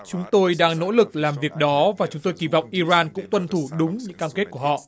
chúng tôi đang nỗ lực làm việc đó và chúng tôi kỳ vọng i ran cũng tuân thủ đúng những cam kết của họ